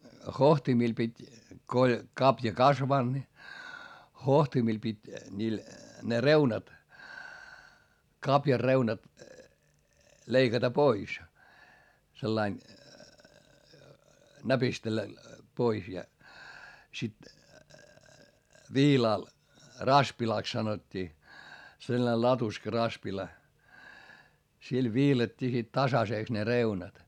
hohtimilla piti kun oli kavio kasvanut niin hohtimilla piti niillä ne reunat kavion reunat leikata pois sillä lailla näpistellä pois ja sitten viilalla raspilaksi sanottiin sellainen latuska raspila sillä viilattiin sitten tasaiseksi ne reunat